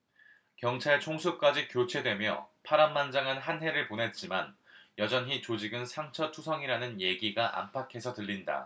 경찰 총수까지 교체되며 파란만장한 한 해를 보냈지만 여전히 조직은 상처 투성이라는 얘기가 안팎에서 들린다